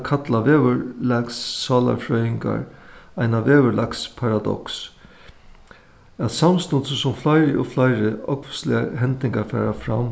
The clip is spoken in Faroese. kalla veðurlagssálarfrøðingar eina veðurlagsparadoks at samstundis sum fleiri og fleiri ógvusligar hendingar fara fram